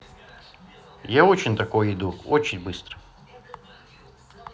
я очень такое иду очень быстро